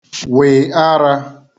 wị̀ ara